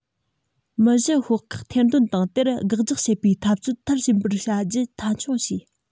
མི བཞི ཤོག ཁག ཐེར འདོན དང དེར དགག རྒྱག བྱེད པའི འཐབ རྩོད མཐར ཕྱིན པར བྱ རྒྱུ མཐའ འཁྱོངས བྱས